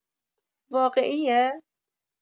واقعیه؟